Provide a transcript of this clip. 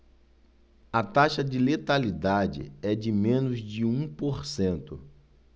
a taxa de letalidade é de menos de um por cento